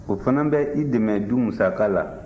o fana bɛ i dɛmɛ du musaka la